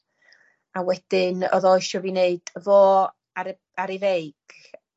A wedyn odd o isio fi neud fo ar y ar ei feic.